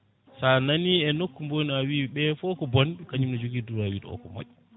sa nani e nokku kombo woni a wi ɓeeɗo foof ko bonɓe kañum ne jogui droit o ko moƴƴo